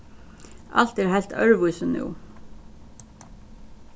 alt er heilt øðrvísi nú